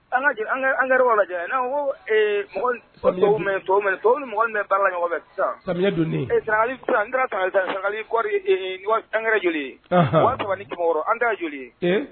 An an lajɛ ko mɔgɔ to mɔgɔ bɛ baara la ɲɔgɔnali sisan analiɔri an joli sabali an joli ye